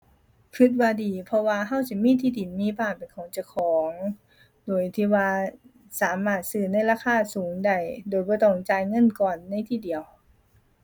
คิดว่าดี เพราะว่าคิดสิมีที่ดิน มีบ้านเป็นของเจ้าของ โดยที่ว่าสามารถซื้อในราคาสูงได้โดยบ่ต้องจ่ายเงินก้อนในทีเดียว